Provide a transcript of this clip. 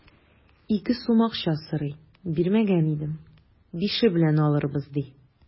Ике сум акча сорый, бирмәгән идем, бише белән алырбыз, ди.